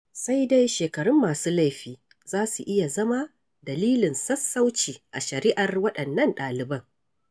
Sai dai shekarun masu laifin za su iya zama "dalilin sassauci" a shari'ar waɗannan ɗaliban.